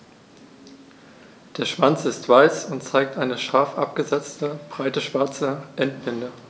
Der Schwanz ist weiß und zeigt eine scharf abgesetzte, breite schwarze Endbinde.